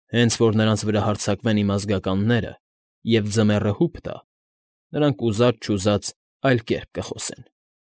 Հենց որ նրանց վրա հարձակվեն իմ ազգականները և ձմեռը հուպ տա, նրանք ուզած֊չուզած այլ կերպ կխոսեն։